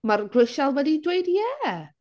Mae'r grisial wedi dweud ie.